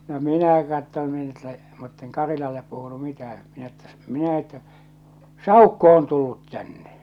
no minä katsoin minä että mutta en Karilalle puhunut mitään minä että minä että saukko on tullut tänne